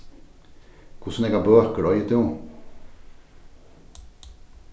hvussu nógvar bøkur eigur tú